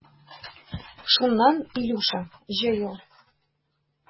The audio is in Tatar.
Шуннан, Илюша, җыел.